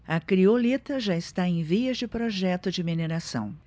a criolita já está em vias de projeto de mineração